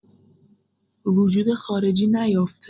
وجود خارجی نیافته!